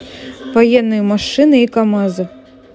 военные машины и камазы